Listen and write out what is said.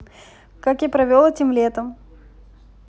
как я провел этим летом